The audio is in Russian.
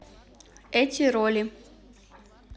эти роли